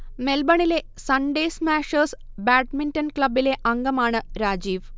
മെൽബണിലെ Sunday smashers badminton ക്ലബിലെ അംഗമാണ് രാജീവ്